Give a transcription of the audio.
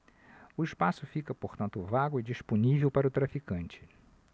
o espaço fica portanto vago e disponível para o traficante